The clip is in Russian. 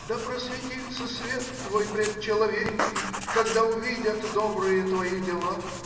Да просветится свет твой пред человеки, когда увидят добрыя твоя дела.